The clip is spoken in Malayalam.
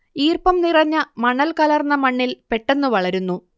ഈർപ്പം നിറഞ്ഞ മണൽ കലർന്ന മണ്ണിൽ പെട്ടെന്ന് വളരുന്നു